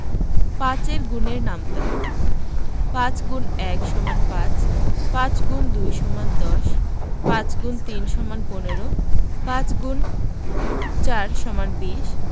৫ এর গুণের নামতা ৫× ১ = ৫ ৫× ২ = ১০ ৫× ৩ = ১৫ ৫× ৪ = ২০